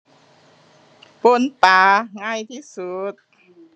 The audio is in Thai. ป่นปลาง่ายที่สุด